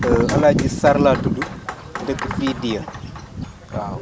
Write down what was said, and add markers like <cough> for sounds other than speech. <noise> <hesitation> El Hadj Sarr laa tudd <noise> dëkk fii Dya <noise> waaw